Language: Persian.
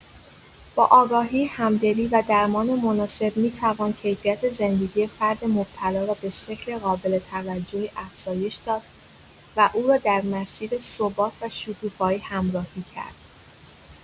با آگاهی، همدلی و درمان مناسب می‌توان کیفیت زندگی فرد مبتلا را به شکل قابل‌توجهی افزایش داد و او را در مسیر ثبات و شکوفایی همراهی کرد.